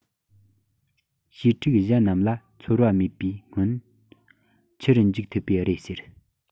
བྱེའུ ཕྲུག གཞན རྣམས ལ ཚོར བ མེད པའི སྔོན འཆི རུ འཇུག ཐུབ པས རེད ཟེར